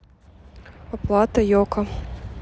оплата йоко